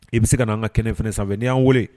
I bɛ se ka n'an ka kɛnɛ fɛn sanfɛ n'i y'an weele